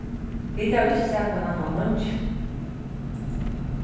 vit hava ikki sæð hvønn annan leingi